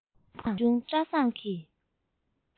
ཀི སྒྲ དང བུ ཆུང བཀྲ བཟང གི